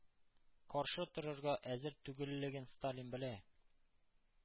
Каршы торырга әзер түгеллеген сталин белә.